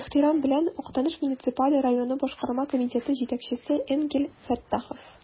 Ихтирам белән, Актаныш муниципаль районы Башкарма комитеты җитәкчесе Энгель Фәттахов.